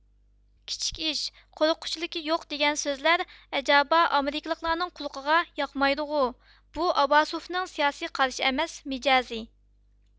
كىچىك ئىش قورققۇچىلىكى يوق دېگەن سۆزلەر ئەجەبا ئامېرىكىلىكلارنىڭ قۇلىقىغا ياقمايدۇغۇ بۇ ئابباسۇفنىڭ سىياسىي قارىشى ئەمەس مىجەزى